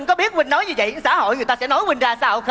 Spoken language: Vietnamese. có biết huynh nói như vậy xã hội người ta sẽ nói huynh ra sao không